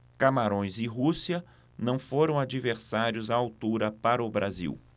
camarões e rússia não foram adversários à altura para o brasil